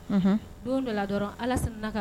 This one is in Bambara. Un don dɔ la dɔrɔn ala nana